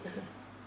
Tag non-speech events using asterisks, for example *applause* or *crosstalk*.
*hesitation* *hesitation*